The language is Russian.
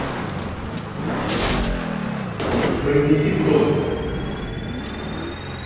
произнеси тост